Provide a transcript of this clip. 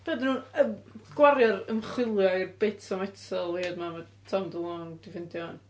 Be 'dyn nhw'n yym gwario ar ymchwilio i'r bits o metal weird 'ma ma' Tom DeLonge 'di ffeindio ŵan?